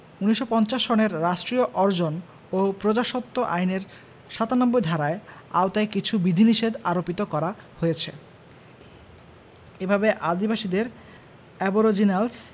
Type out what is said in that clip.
১৯৫০ সনের রাষ্ট্রীয় অর্জন ও প্রজাস্বত্ব আইনের ৯৭ ধারার আওতায় কিছু বিধিনিষেধ আরোপিত করা হয়েছে এভাবে আদিবাসীদের এবরিজিনালস